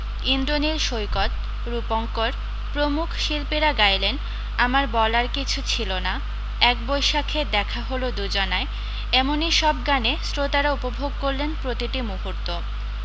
ইন্দ্রনীল সৈকত রূপঙ্কর প্রমুখ শিল্পীরা গাইলেন আমার বলার কিছু ছিল না এক বৈশাখে দেখা হল দু জনায় এমনি সব গানে শ্রোতারা উপভোগ করলেন প্রতিটি মূহুর্ত